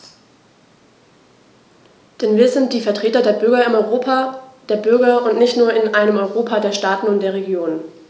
Denn wir sind die Vertreter der Bürger im Europa der Bürger und nicht nur in einem Europa der Staaten und der Regionen.